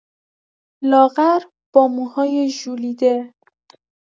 لاغر، با موهای ژولیده.